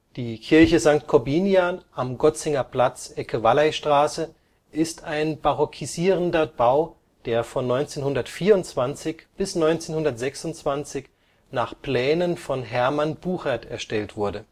Die Kirche St. Korbinian am Gotzingerplatz Ecke Valleystraße ist ein barockisierender Bau, der von 1924 bis 1926 nach Plänen von Hermann Buchert erstellt wurde